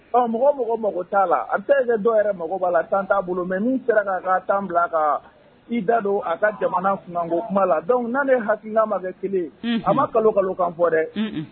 Ɔ mɔgɔ mɔgɔ mɔgɔ t'a la a bɛ taa kɛ dɔw yɛrɛ mako b'a la tan t'a bolo mɛ min sera k'a ka tan bila a ka i da don a ka jamana fko kuma la dɔnku n' ni hakilikan ma kɛ kelen a ma kalo kalo kan fɔ dɛ